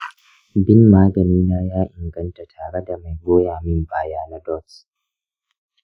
bin maganina ya inganta tare da mai goya min baya na dots.